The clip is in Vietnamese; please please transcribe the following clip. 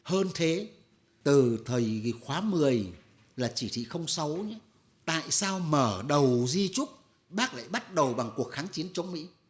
hơn thế từ thầy khóa mười là chỉ thị không sáu tại sao mở đầu di chúc bác lại bắt đầu bằng cuộc kháng chiến chống mỹ